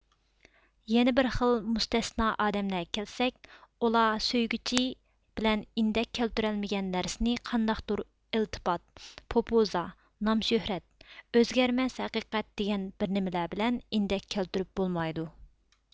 يەنە بىر خىل مۇستەسنا ئادەملەرگە كەلسەك ئۇلار سۆيگۈ كۈچى بىلەن ئىندەككە كەلتۈرەلمىگەن نەرسىنى قانداقتۇر ئىلتپات پوپوزا نام شۆھرەت ئۆزگەرمەس ھەقىقەت دېگەن بىرنېمىلەر بىلەن ئىندەككە كەلتۈرۈپ بولمايدۇ